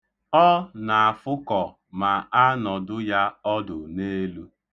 Ọ na-afụkọ ma a nọdụ ya ọdụ n'elu.